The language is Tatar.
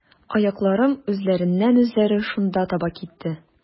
Аякларым үзләреннән-үзләре шунда таба китте.